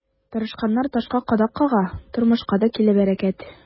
Тырышканнар ташка кадак кага, тормышка да килә бәрәкәт.